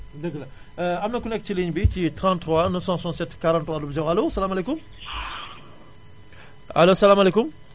dëgg la am na ku nekk ci ligne bi ci 33 967 43 00 allo salaamalekum allo salaamalekum